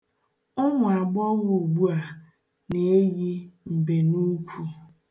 Ụmụagbọghọ ugbu a na-eyi mbenuukwu.